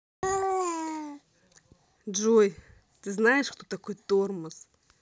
джой ты знаешь кто такой тормоз